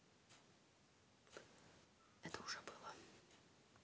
это уже было